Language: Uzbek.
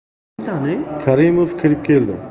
karimov kirib keldi